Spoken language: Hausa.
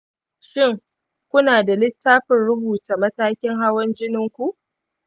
shin, kuna da littafin rubuta matakin hawan jinin ku?